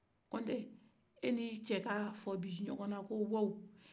kɔ ni o tɛ e ni i cɛ ka fɔ bin ɲogɔnna ko wawu